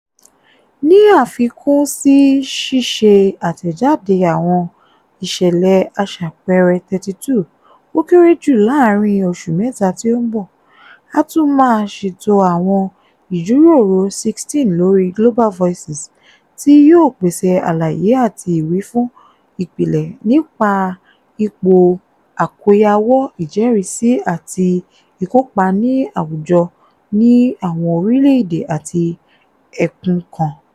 Ní àfikún sí ṣíṣe àtẹ̀jáde àwọn ìṣẹ̀lẹ̀ aṣàpẹẹrẹ 32 ó kéré jù láàárín oṣù mẹ́ta tí ó ń bọ̀, a tún máa ṣètò àwọn ìjíròrò 16 lórí Global Voices tí yóò pèsè àlàyé àti ìwífún ìpìlẹ̀ nípa ipò àkòyawọ́, ìjẹ́rìísí àti ìkópa ní àwùjọ ní àwọn orílẹ̀-èdè àti ẹkùn kan.